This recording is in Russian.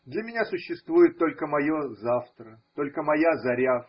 Для меня существует только мое завтра, только моя заря.